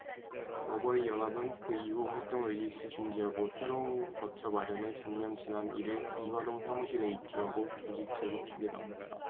어버이연합은 그 이후 활동을 일시 중지하고 새로운 거처 마련에 전념 지난 일 일 이화동 사무실에 입주하고 조직 재구축에 나섰다